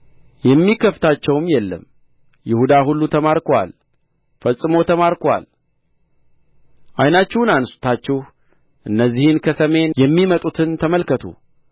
የሚከፍታቸውም የለም ይሁዳ ሁሉ ተማርኮአል ፈጽሞ ተማርኮአል ዓይናችሁን አንሥታችሁ እነዚህን ከሰሜን የሚመጡትን ተመልከቱ